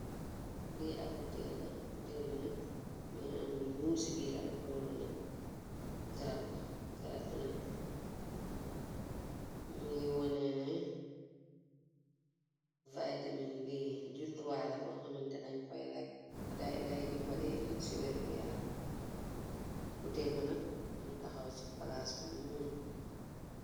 Lii ab butella bu teel bi nag mi am lu ñyuul ci biiram loolu nag grab la grab bi nag mi ngi woneene vitamin bi juntuwaala bo xamante dañ koy lekk day dimbalee nit ci wergu yarab buteel bi nag mi taxaw ci palaas bu ñyuul.